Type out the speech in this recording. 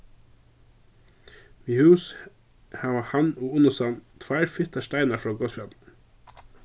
við hús hava hann og unnustan tveir fittar steinar frá gosfjallinum